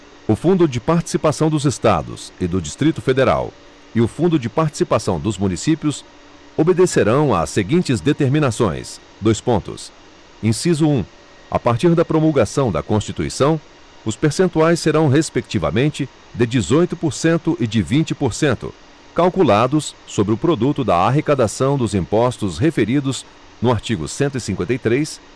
o fundo de participação dos estados e do distrito federal e o fundo de participação dos municípios obedecerão às seguintes determinações dois pontos inciso um a partir da promulgação da constituição os percentuais serão respectivamente de dezoito por cento e de vinte por cento calculados sobre o produto da arrecadação dos impostos referidos no artigo cento e cinquenta e três